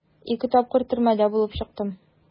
Ике тапкыр төрмәдә булып чыктым.